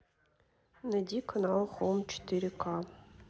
найди канал хоум четыре ка